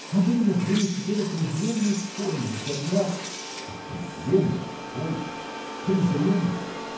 Могу ли я думать теперь о презренной пользе, когда. – О презренной пользе ! презренная!